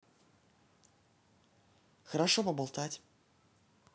хорошо поболтать